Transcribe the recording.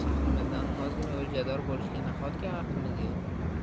shahrimizdan ozgina o'ljador bo'lishga nahotki haqqimiz yo'q